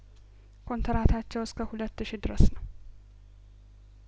ኮንትራታቸው እስከሁለት ሺ ድረስ ነው